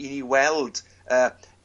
i ni weld y